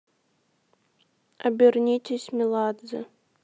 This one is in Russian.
обернитесь меладзе